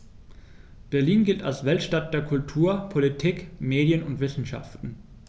Berlin gilt als Weltstadt der Kultur, Politik, Medien und Wissenschaften.